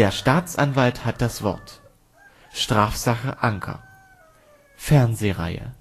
Staatsanwalt hat das Wort: Strafsache Anker (Fernsehreihe